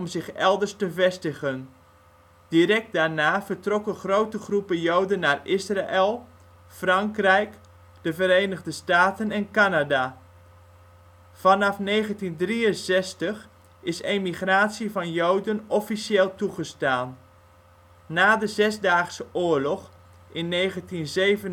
zich elders te vestigen. Direct daarna vertrokken grote groepen Joden naar Israël, Frankrijk, de Verenigde Staten en Canada. Vanaf 1963 is emigratie van Joden officieel toegestaan. Na de Zesdaagse Oorlog in 1967